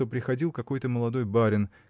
что приходил какой-то молодой барин